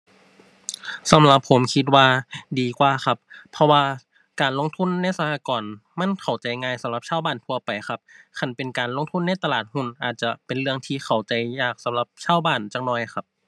สำหรับผมคิดว่าดีกว่าครับ เพราะว่าการลงทุนในสหกรณ์มันเข้าใจง่าย สำหรับชาวบ้านทั่วไปครับ คันเป็นการลงทุนในตลาดหุ้นอาจจะเป็นเรื่องที่เข้าใจยากสำหรับชาวบ้านจักหน่อยครับ